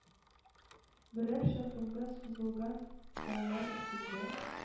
Берәр чакрымга сузылган саллар өстендә